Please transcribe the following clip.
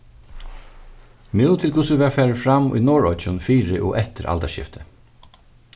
nú til hvussu farið varð fram í norðoyggjum fyri og eftir aldarskiftið